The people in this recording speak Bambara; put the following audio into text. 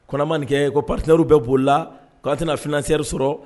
Ko n'an ma nin kɛ ko partenaires w bɛ bolila, k' an tɛna financiaire sɔrɔ